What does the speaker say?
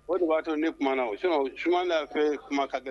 O tun b'atɔ ni kumaumana na o sin sumanda fɛ kuma ka gɛlɛn